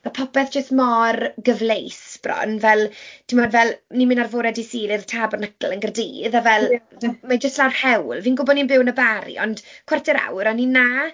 Ma' popeth jyst mor gyfleus bron fel, timod, fel ni'n mynd ar fore dydd Sul i'r Tabernacl yn Gaerdydd a fel... ie. ...ma' jyst lan rhewl. Fi'n gwybod bod ni'n byw yn y Bari, ond cwarter awr a ni 'na.